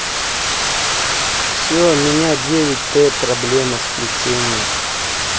все меня девять t проблема с включением